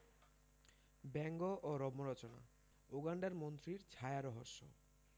ব্যঙ্গ ও রম্যরচনা উগান্ডার মন্ত্রীর ছায়ারহস্য